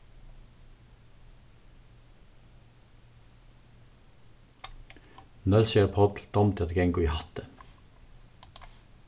nólsoyar páll dámdi at ganga í hatti